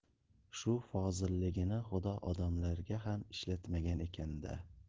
shu fozilligini xudo odamlarga ham ishlatmagan ekan da